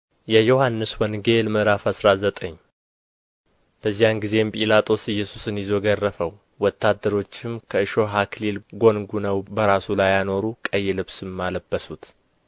የዮሐንስ ወንጌል ምዕራፍ አስራ ዘጠኝ በዚያን ጊዜም ጲላጦስ ኢየሱስን ይዞ ገረፈው ወታደሮችም ከእሾህ አክሊል ጐንጕነው በራሱ ላይ አኖሩ ቀይ ልብስም አለበሱት